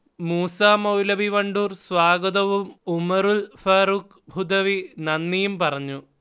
മൂസമൗലവി വണ്ടൂർ സ്വാഗതവും ഉമറുൽ ഫാറൂഖ്ഹുദവി നന്ദിയും പറഞ്ഞു